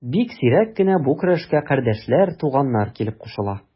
Бик сирәк кенә бу көрәшкә кардәшләр, туганнар килеп кушыла.